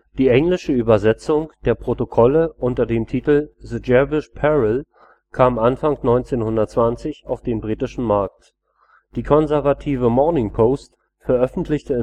Die englische Übersetzung der Protokolle unter dem Titel The Jewish Peril kam Anfang 1920 auf den britischen Markt. Die konservative Morning Post veröffentlichte